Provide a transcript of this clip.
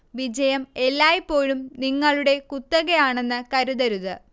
വിജയം എല്ലായ്പ്പോഴും നിങ്ങളുടെ കുത്തകയാണെന്ന് കരുതരുത്